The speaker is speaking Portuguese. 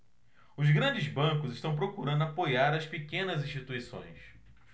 os grandes bancos estão procurando apoiar as pequenas instituições